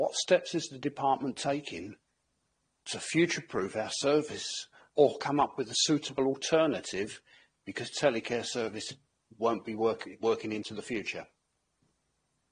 What steps is the department taking to future-proof our service or come up with a suitable alternative because telecare service won't be work- working into the future?